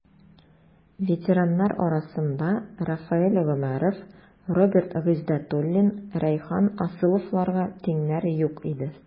Ветераннар арасында Рафаэль Гомәров, Роберт Гыйздәтуллин, Рәйхан Асыловларга тиңнәр юк иде.